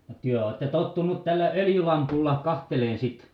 no te olette tottunut tällä öljylampulla katselemaan sitten